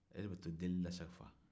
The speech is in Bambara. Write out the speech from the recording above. e de bɛ to delila sa